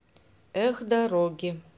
эх дороги